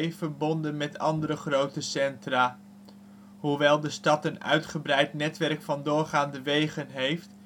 verbonden met andere grote centra. Hoewel de stad een uitgebreid netwerk van doorgaande wegen heeft